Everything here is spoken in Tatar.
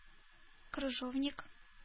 Крыжовник